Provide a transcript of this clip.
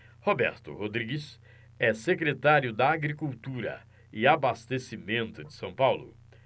roberto rodrigues é secretário da agricultura e abastecimento de são paulo